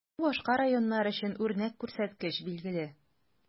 Бу башка районнар өчен үрнәк күрсәткеч, билгеле.